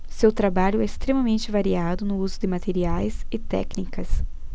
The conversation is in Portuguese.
seu trabalho é extremamente variado no uso de materiais e técnicas